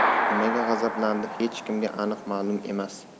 nimaga g'azablandi hech kimga aniq ma'lum emas